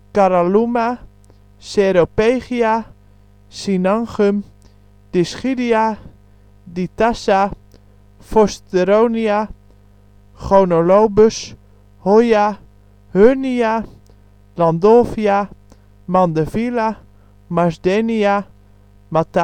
Caralluma Ceropegia Cynanchum Dischidia Ditassa Forsteronia Gonolobus Hoya Huernia Landolphia Mandevilla Marsdenia Matalea